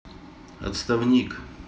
отставник